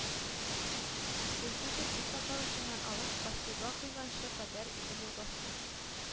Куйбышев сусаклагычыннан алып Каспийга койганчыга кадәр Идел елгасы